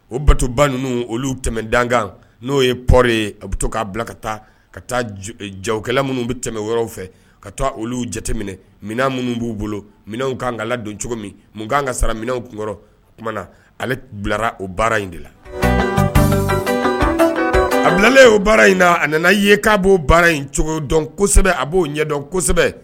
O batoba ninnu olu tɛmɛ dankan n'o ye pɔri ye a bɛ to k'a bila ka taa ka taa jakɛla minnu bɛ tɛmɛ wɛrɛw fɛ ka taa olu jateminɛ minɛn minnu b'u bolo minɛn k kaan ka la don cogo min k' kan ka sara minɛn kun kɔrɔ na ale bilara o baara in de la a bilale o baara in na a nana ye k'a b'o baara in cogodɔnsɛbɛ a b'o ɲɛdɔn kosɛbɛ